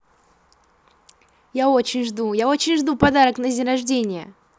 я очень жду я очень жду подарок на день рождения